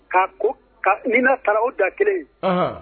' ko n taara u da kelen ye